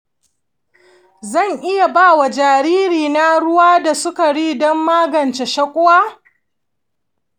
zan iya ba wa jaririna ruwa da sukari don magance shaƙuwa?